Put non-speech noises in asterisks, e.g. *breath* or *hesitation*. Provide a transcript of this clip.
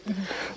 *hesitation* *hesitation* *breath*